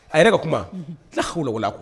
A yɛrɛ ka kuma fula hakililako kuwa